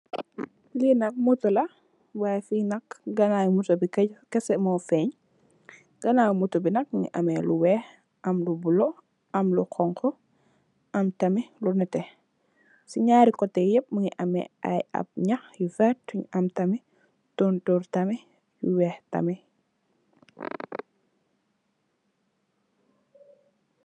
li nak moto la wai fi nak garagi moto bi keseh mo feen ganaw moto bi nak mogi ame lu weex am lu bulo am lu xonxu am tamit lu nete si naari kotee yep mogi ame ay an nhaax yu veta tonturr tamit bu weex tamit.